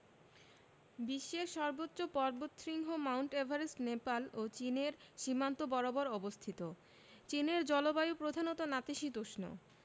বিশ্বের সর্বোচ্চ পর্বতশৃঙ্গ মাউন্ট এভারেস্ট নেপাল ও চীনের সীমান্ত বরাবর অবস্থিত চীনের জলবায়ু প্রধানত নাতিশীতোষ্ণ